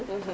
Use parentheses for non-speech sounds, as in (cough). (hesitation) (hesitation)